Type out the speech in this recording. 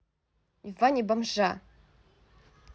иване бомжа